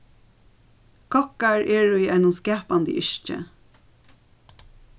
kokkar eru í einum skapandi yrki